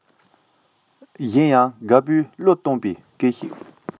གཞན ཡང དགའ པོའི གླུ གཏོང བའི སྐད ཤེད